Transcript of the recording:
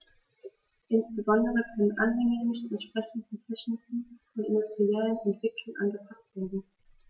Insbesondere können Anhänge nicht entsprechend der technischen und industriellen Entwicklung angepaßt werden.